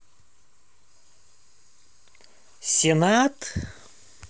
сенат